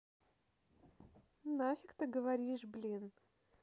нахуй ты говоришь блять